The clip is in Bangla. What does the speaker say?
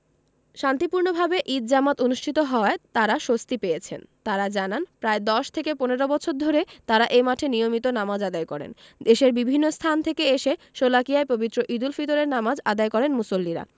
শান্তিপূর্ণভাবে ঈদ জামাত অনুষ্ঠিত হওয়ায় তাঁরা স্বস্তি পেয়েছেন তাঁরা জানান প্রায় ১০ থেকে ১৫ বছর ধরে তাঁরা এ মাঠে নিয়মিত নামাজ আদায় করেন দেশের বিভিন্ন স্থান থেকে এসে শোলাকিয়ায় পবিত্র ঈদুল ফিতরের নামাজ আদায় করেন মুসল্লিরা